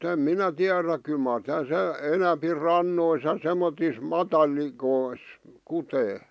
en minä tiedä kyllä mar - enempi rannoissa ja semmoisissa matalikoissa kutee